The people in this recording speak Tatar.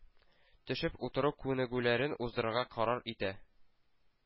Төшеп утыру күнегүләрен уздырырга карар итә.